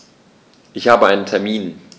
Ich habe einen Termin.